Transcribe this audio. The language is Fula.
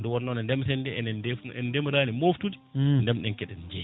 nde wonno nde ndemeten nde en ndemirani moftude ndenɗen keɗen jeeya